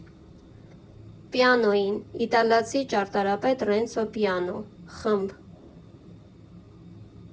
Պիանոյին (իտալացի ճարտարապետ Ռենցո Պիանո ֊ խմբ.